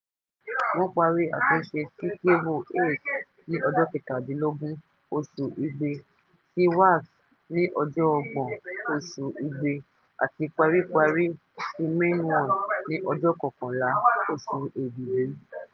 Wọ́n parí àtúnṣe sí kébù ACE ní ọjọ́ 17 oṣù Igbe, ti WACS ní ọjọ́ 30 oṣù Igbe, àti, paríparí, ti Mainone ní ọjọ́ 11 oṣù Èbìbí.